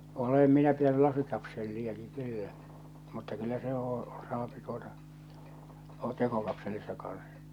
olen minä pitänyt lasikapseliakin kyllä mutta kyllä se on saa tuota olla tekokapselissa kanssa